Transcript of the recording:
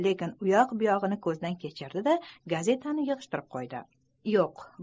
lekin u yoq bu yog'ini ko'zdan kechirdi da gazetani yig'ishtirib qo'ydiyo'q